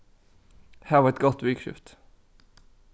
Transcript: hav eitt gott vikuskifti